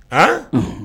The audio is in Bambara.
A